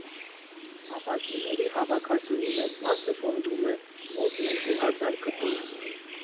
Ապակիների հավաքածուի մեծ մասը ֆոնդում է՝ մոտ երկու հազար կտոր։